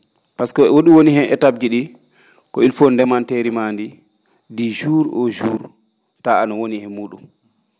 pasque ho?um woni hen étape ji?i ko il faut ndementeeri maa ndii du jour au jour taa ano woni e muu?um